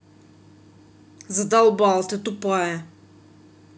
задолбал ты тупая